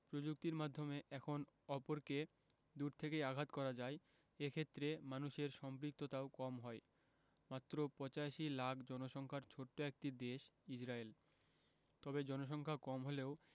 প্রযুক্তির মাধ্যমে এখন অপরকে দূর থেকেই আঘাত করা যায় এ ক্ষেত্রে মানুষের সম্পৃক্ততাও কম হয় মাত্র ৮৫ লাখ জনসংখ্যার ছোট্ট একটি দেশ ইসরায়েল তবে জনসংখ্যা কম হলেও